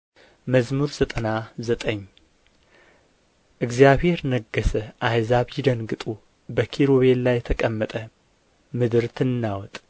መዝሙር ዘጠና ዘጠኝ እግዚአብሔር ነገሠ አሕዛብ ይደንግጡ በኪሩቤል ላይ ተቀመጠ ምድር ትናወጥ